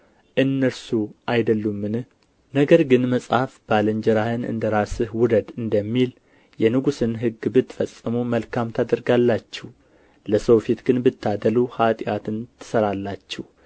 እነርሱ አይደሉምን ነገር ግን መጽሐፍ ባልንጀራህን እንደ ራስህ ውደድ እንደሚል የንጉሥን ሕግ ብትፈጽሙ መልካም ታደርጋላችሁ ለሰው ፊት ግን ብታደሉ ኃጢአትን ትሠራላችሁ